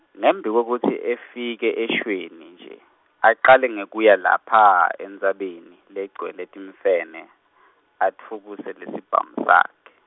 Ngembikwekutsi efike eShweni nje, acale ngekuya lapha, entsabeni, legcwele timfene, atfukuse lesibhamu sakhe.